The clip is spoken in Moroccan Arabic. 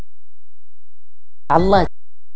الله